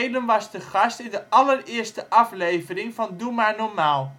was te gast in de allereerste aflevering van Doe Maar Normaal